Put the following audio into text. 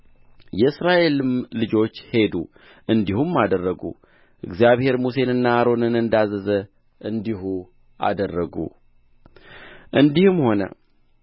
የእስራኤልም ልጆች ሄዱ እንዲሁም አደረጉ እግዚአብሔር ሙሴንና አሮንን እንዳዘዘ እንዲሁ አደረጉ እንዲህም ሆነ